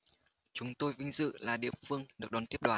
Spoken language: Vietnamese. chúng tôi vinh dự là địa phương được đón tiếp đoàn